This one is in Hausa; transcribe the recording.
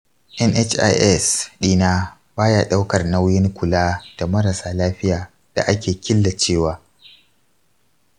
nhis ɗina ba ya ɗaukar nauyin kula da marasa lafiya da ake killacewa.